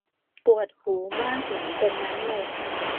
ปวดหูมากเหมือนเป็นน้ำหนวก